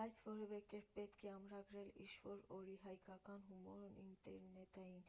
Բայց որևէ կերպ պետք է ամրագրել՝ ինչ օրի է հայկական հումորն ինտերնետային,